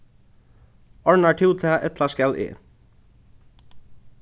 orðnar tú tað ella skal eg